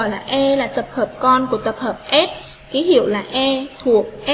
a là tập hợp con của tập hợp a kí hiệu là a thuộc